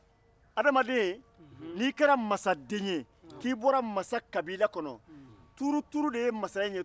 hadamaden n'i kɛra mansaden ye k'i bɔra mansa kabila kɔnɔ tuuru-tuuru ye